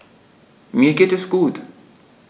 Mir geht es gut.